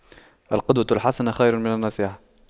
القدوة الحسنة خير من النصيحة